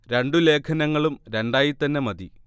രണ്ടു ലേഖനങ്ങളും രണ്ടായി തന്നെ മതി